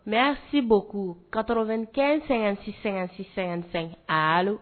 Mɛ sibo ko kato2ɛn- sɛgɛn-sɛ-sɛ-sɛ hali